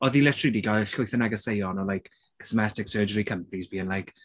Oedd hi literally 'di gael like llwyth o negeseuon o like cosmetic surgery companies being like...